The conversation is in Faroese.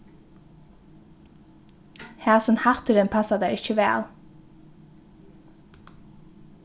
hasin hatturin passar tær ikki væl